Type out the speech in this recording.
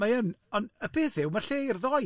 Mae yn, ond y peth yw mae lle i'r ddoi.